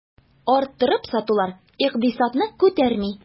Арттырып сатулар икътисадны күтәрми.